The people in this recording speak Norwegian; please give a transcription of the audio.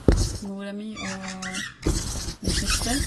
Mora mi og mi søster.